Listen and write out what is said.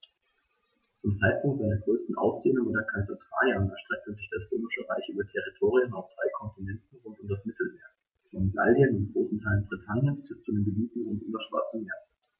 Zum Zeitpunkt seiner größten Ausdehnung unter Kaiser Trajan erstreckte sich das Römische Reich über Territorien auf drei Kontinenten rund um das Mittelmeer: Von Gallien und großen Teilen Britanniens bis zu den Gebieten rund um das Schwarze Meer.